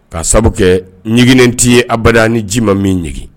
Ka'a sabu kɛ ɲɛggɛnen'i ye aba ni ji ma min ɲɛge